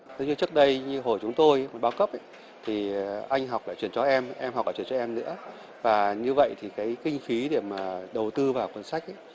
theo như trước đây như hồi chúng tôi ấy bao cấp thì anh học để truyền cho em em học truyền cho em nữa và như vậy thì cái kinh phí để mà đầu tư vào quyển sách ý